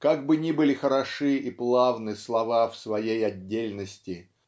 Как бы ни были хороши и плавны слова в своей отдельности